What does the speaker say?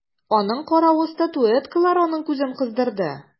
Аның каравы статуэткалар аның күзен кыздырды.